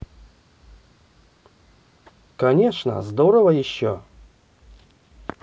конечно здорово еще